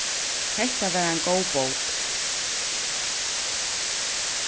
hetta var ein góð bók